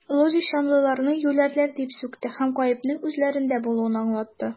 Лозищанлыларны юләрләр дип сүкте һәм гаепнең үзләрендә булуын аңлатты.